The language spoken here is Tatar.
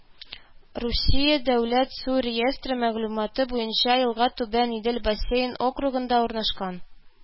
Русия дәүләт су реестры мәгълүматы буенча елга Түбән Идел бассейн округында урнашкан